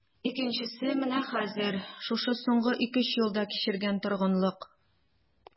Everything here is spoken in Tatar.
Икенчесе менә хәзер, шушы соңгы ике-өч елда кичергән торгынлык...